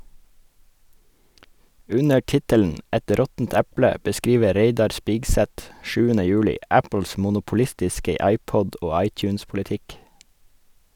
Under tittelen "Et råttent eple" beskriver Reidar Spigseth 7. juli Apples monopolistiske iPod- og iTunes-politikk.